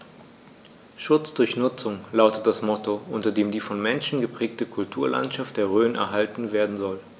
„Schutz durch Nutzung“ lautet das Motto, unter dem die vom Menschen geprägte Kulturlandschaft der Rhön erhalten werden soll.